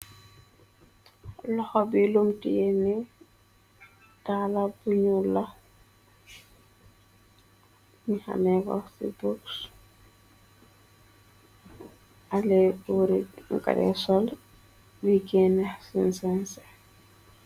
Loxo bi lum teyee nee daala bu ñuul lax mhn ci book ale urig ngresol wi genne sincence